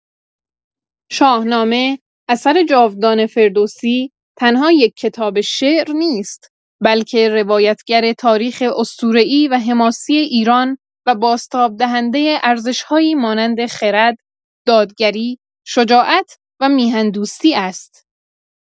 شاهنامه، اثر جاودان فردوسی، تنها یک کتاب شعر نیست، بلکه روایتگر تاریخ اسطوره‌ای و حماسی ایران و بازتاب‌دهنده ارزش‌هایی مانند خرد، دادگری، شجاعت و میهن‌دوستی است.